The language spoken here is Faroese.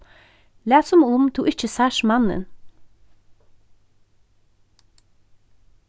lat sum um tú ikki sært mannin